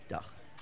Diolch.